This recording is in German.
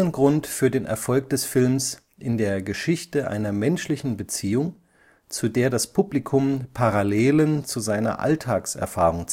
Grund für den Erfolg des Films in der Geschichte einer menschlichen Beziehung, zu der das Publikum Parallelen zu seiner Alltagserfahrung